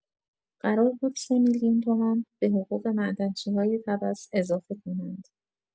قرار بود سه میلیون تومن به حقوق معدنچی‌های طبس اضافه کنند!